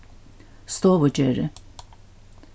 stovugerði